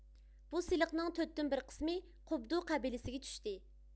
بۇ سېلىقنىڭ تۆتتىن بىر قىسمى قوبدۇ قەبىلىسىگە چۈشتى